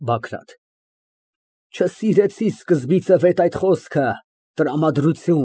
ԲԱԳՐԱՏ ֊ Չսիրեցի սկզբից ևեթ այդ խոսքը ֊ տրամադրություն։